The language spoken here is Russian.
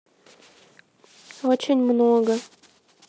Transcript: очень много